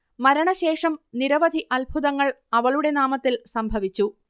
മരണശേഷം നിരവധി അത്ഭുതങ്ങൾ അവളുടെ നാമത്തിൽ സംഭവിച്ചു